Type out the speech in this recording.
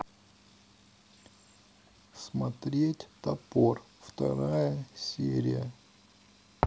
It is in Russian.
смотреть топор вторая серия